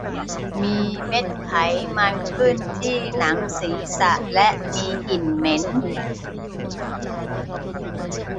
มีเม็ดไขมันขึ้นที่หนังศีรษะและมีกลิ่นเหม็น